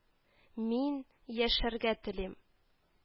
Мин яшәргә телим